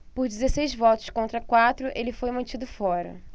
por dezesseis votos contra quatro ele foi mantido fora